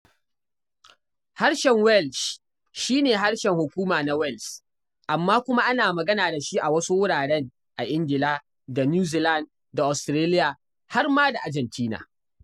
Harshen Welsh shi ne harshen hukuma na Wales, amma kuma ana magana da shi a wasu wuraren a Ingila da New Zealand da Australia har dama Argentina.